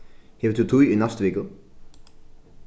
hevur tú tíð í næstu viku